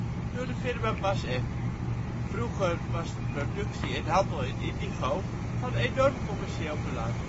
door de firma BASF. Vroeger was de productie en handel in indigo van enorm commercieel belang